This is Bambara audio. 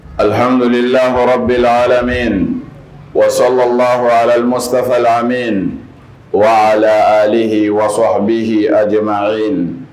Alilhammidulililaha bɛla wamastafalami wala aliyi wa anbi a jama ye